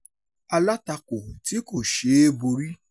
Alátakò tí kò ṣe é borí